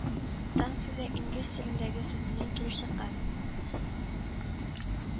Танк сүзе инглиз телендәге сүзеннән килеп чыккан